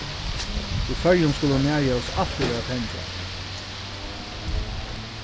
í føroyum skulu nærljós altíð vera tendrað